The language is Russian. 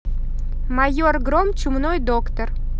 майор гром чумной доктор